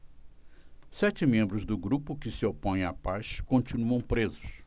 sete membros do grupo que se opõe à paz continuam presos